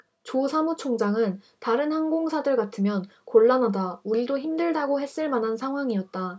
조 사무총장은 다른 항공사들 같으면 곤란하다 우리도 힘들다고 했을 만한 상황이었다